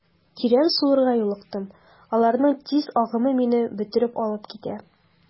Тирән суларга юлыктым, аларның тиз агымы мине бөтереп алып китә.